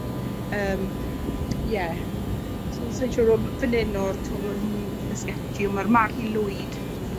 yym ie. So swy'n siwr o... Fyn 'yn odd t'wmb' itha sketchy on' ma'r Mari Lwyd